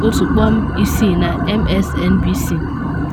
1.6 na MSNBC.